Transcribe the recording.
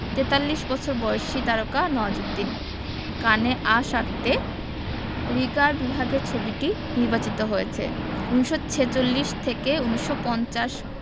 ৪৩ বছর বয়সী তারকা নওয়াজুদ্দিন কানে আঁ সারতে রিগার বিভাগে ছবিটি নির্বাচিত হয়েছে ১৯৪৬ থেকে ১৯৫০